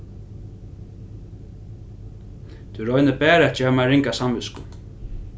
tú roynir bara at geva mær ringa samvitsku